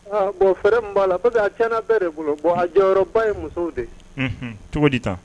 Bɔn fɛrɛ b'a la que kɛnɛ bɛɛ de bolo bɔn a jɔyɔrɔba ye musow de ye cogodi ta